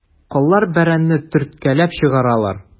Коллар бәрәнне төрткәләп чыгаралар.